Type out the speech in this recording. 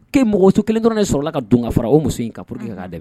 Ko mɔgɔso kelen dɔrɔn ne sɔrɔla la ka don ka fara o muso in ka'a